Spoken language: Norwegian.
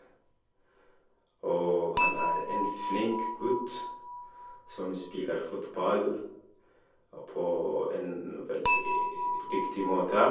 Og han er en flink gutt som spiller fotball på en veldig dyktig måte.